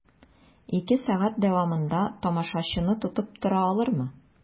Ике сәгать дәвамында тамашачыны тотып тора алырмы?